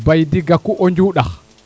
baidi gaku o njundax